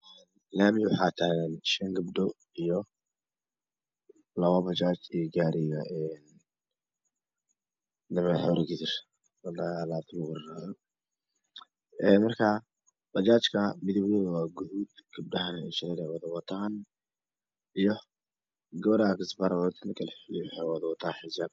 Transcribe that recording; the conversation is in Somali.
Laamiga waxa taagan Shan gabdho labo bajaaj iyo gaarida dameer habardigir badanaa Alaabka bajaajna midna waa gaduud gabdhahana insareere wataan wataan iyo gabaraa isbaar wato inta kale waxay wada wataan xijaab.